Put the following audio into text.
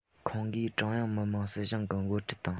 ཁོང གིས ཀྲུང དབྱང མི དམངས སྲིད གཞུང གི མགོ ཁྲིད དང